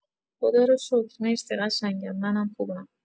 خداروشکر مرسی قشنگم منم خوبم